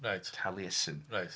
Reit... Taliesin... Reit